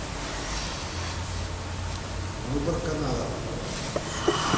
выбор канала